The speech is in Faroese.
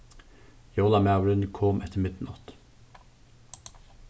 jólamaðurin kom eftir midnátt